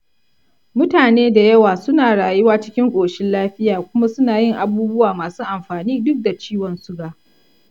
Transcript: mutane da yawa suna rayuwa cikin koshin lafiya kuma suna yin abubuwa masu amfani duk da ciwon suga.